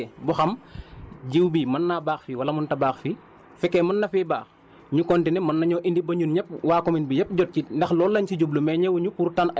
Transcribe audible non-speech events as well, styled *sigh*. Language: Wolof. mais lii dañoo ñëw pour essayer ba xam *breath* jiw bii mën naa baax fii wala mënut a baax fii bu fekkee mën na fi baax ñu continuer mën nañoo indi ba ñun ñëpp waa commune bi yëpp jot ci